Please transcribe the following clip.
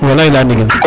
Walay laya ndigil